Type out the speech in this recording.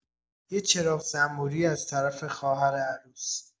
یه چراغ زنبوری از طرف خواهر عروس